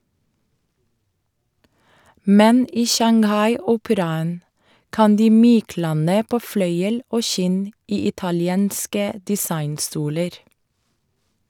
Men i Shanghai-operaen kan de myklande på fløyel og skinn i italienske designstoler.